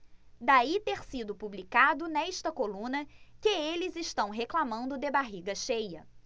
daí ter sido publicado nesta coluna que eles reclamando de barriga cheia